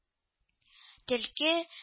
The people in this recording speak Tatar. Төлке